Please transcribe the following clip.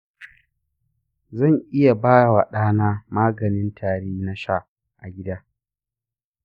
zan iya ba wa ɗana maganin tari na sha a gida?